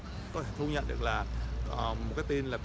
công nhận là à có một cái tên là